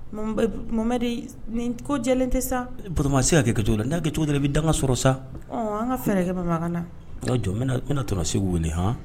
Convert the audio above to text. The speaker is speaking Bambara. Mamamɛ de ni ko jɛlen tɛ sama se ka kɛcogo la n da kɛ cogo la i bɛ dangan sɔrɔ sa an ka fɛnɛrɛkɛ makan na jɔn ne t se weele hɔn